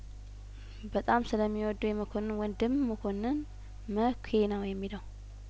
በጣም ስለሚ ወደው የመኮንን ወንድም መኮንን መኳ ነው የሚለው